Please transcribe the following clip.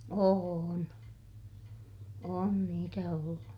on on niitä ollut